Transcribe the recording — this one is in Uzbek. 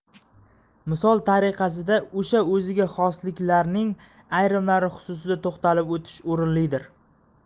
misol tariqasida o'sha o'ziga xosliklarning ayrimlari xususida to'xtalib o'tish o'rinlidir